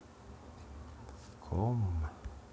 come